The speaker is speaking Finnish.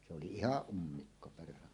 se oli ihan ummikko perhana